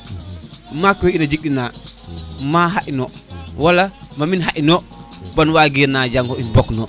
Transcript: maak we in a jeg ino ma xaƴ no wala me xaƴ no bo i mbage na jango i mok no